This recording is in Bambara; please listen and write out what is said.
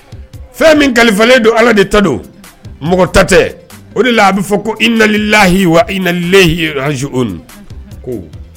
Fɛn min kalifalen don Ala de ta don, mɔgɔ ta tɛ. O de la a bɛ fɔ ko: inna lillahi wa inna ilayihi rajiouna ko